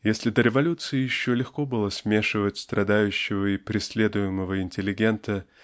Если до революции еще легко было смешивать страдающего и преследуемого интеллигента